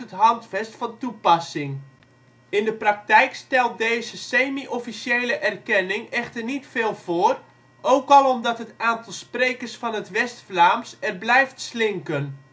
Handvest van toepassing. In de praktijk stelt deze semi-officiële erkenning echter niet veel voor, ook al omdat het aantal sprekers van het West-Vlaams er blijft slinken